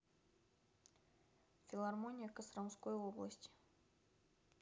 филармония костромской области